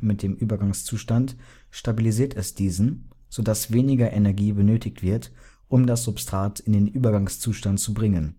mit dem Übergangszustand stabilisiert es diesen, so dass weniger Energie benötigt wird, um das Substrat in den Übergangszustand zu bringen.